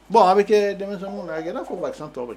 Bɔn a bɛ kɛ denmisɛnkun a n'a fɔ ko a san tɔw